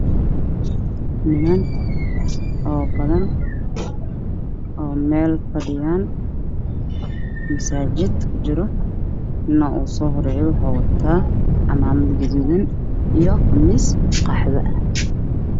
Wiilal oo badan oo meel fadhiyo masaajid ku jiro midka ogu so horeeyo wuxuu wata cimaamad guduud iyo khamiis qahwi ah